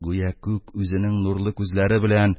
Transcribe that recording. Гүя күк үзенең нурлы күзләре белән